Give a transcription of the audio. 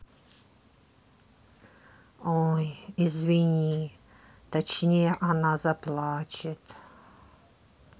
ой извини точнее она заплачет